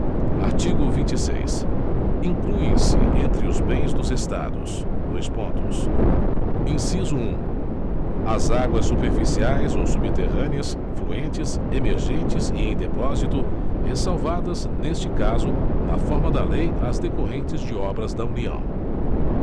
artigo vinte e seis incluem se entre os bens dos estados dois pontos inciso um as águas superficiais ou subterrâneas fluentes emergentes e em depósito ressalvadas neste caso na forma da lei as decorrentes de obras da união